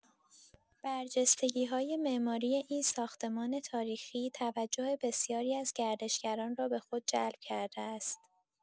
برجستگی‌های معماری این ساختمان تاریخی توجه بسیاری از گردشگران را به خود جلب کرده است.